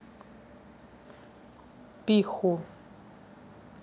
пиху